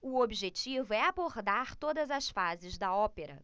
o objetivo é abordar todas as fases da ópera